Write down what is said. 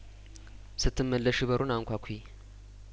ስትመለሺ በሩን አንኳኲ